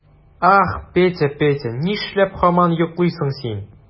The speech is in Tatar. Ах, Петя, Петя, нишләп һаман йоклыйсың син?